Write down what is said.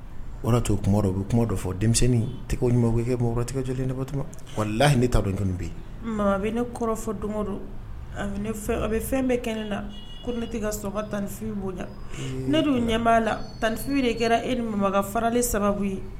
O' kuma o bɛ kuma dɔ fɔ denmisɛnnin tɛ ɲuman kɛ mɔgɔ tigɛjɔlen layi ta dɔn bɛ a bɛ ne kɔrɔfɔ don a bɛ fɛn bɛɛ kɛnɛ ne na ko ne tɛ ka so tan nifin bonya ne dun ɲɛ' la tan nifin de kɛra e faralen sababu ye